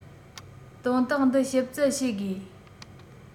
དོན དག འདི ཞིབ རྩད བྱེད དགོས